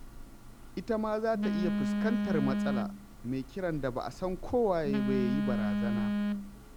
Ita ma za ta iya fuskantar matsala, mai kiran da ba a san ko waye ba ya yi baraza.